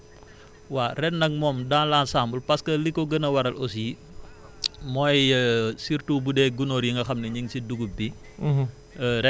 waa ren nag moom dans l' ensemble parce que li ko gën a waral aussi mooy surtout bu dee gunóor y nga xam ne ñi ngi si dugub bi